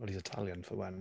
Well he's Italian for one.